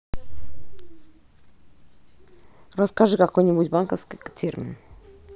расскажи какой нибудь банковский термин